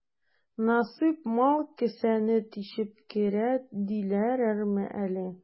Насыйп мал кесәне тишеп керә диләрме әле?